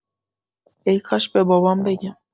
ای‌کاش به بابام بگم.